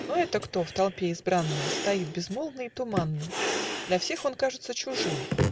Но это кто в толпе избранной Стоит безмолвный и туманный? Для всех он кажется чужим.